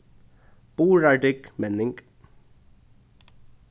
burðardygg menning